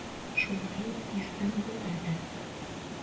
Шулай ук Истанбулда да.